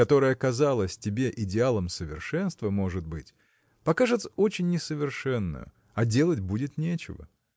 которая казалась тебе идеалом совершенства может быть покажется очень несовершенною а делать будет нечего.